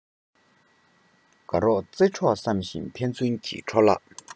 དགའ རོགས རྩེད གྲོགས བསམ ཞིང ཕན ཚུན གྱི འཕྲོ བརླག